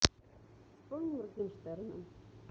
вспомни моргенштерна